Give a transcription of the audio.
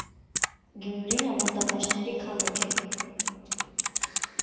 Գյումրին ավանդապաշտների քաղաք է։